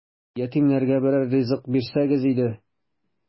Ятимнәргә берәр ризык бирсәгез иде! ..